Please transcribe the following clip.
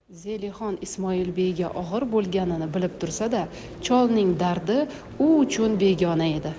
zelixon ismoilbeyga og'ir bo'lganini bilib tursa da cholning dardi u uchun begona edi